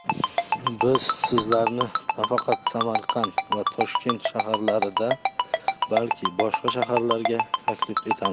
biz sizlarni nafaqat samarqand va toshkent shaharlarida balki boshqa shaharlariga taklif etamiz